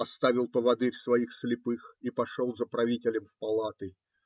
Оставил поводырь своих слепых и пошел за правителем в палаты.